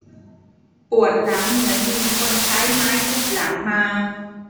ปวดหลังเหมือนมีคนใช้ไม้ทุบหลังมา